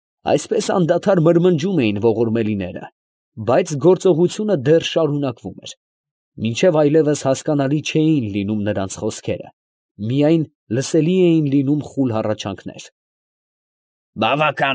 Այսպես անդադար մրմնջում էին ողորմելիները, բայց գործողությունը դեռ շարունակվում էր, մինչև այլևս հասկանալի չէին լինում նրանց խոսքերը, միայն լսելի էին լինում խուլ հառաչանքներ…։ ֊ Բավական։